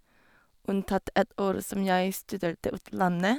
Unntatt ett år som jeg studerte utlandet.